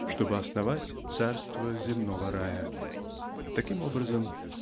чтобы основать царство земного рая. Таким образом